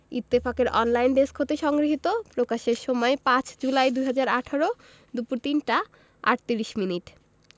ইত্তফাকের online desk হতে সংগৃহীত প্রকাশের সময় ৫ জুলাই ২০১৮ দুপুর ৩টা ৩৮ মিনিট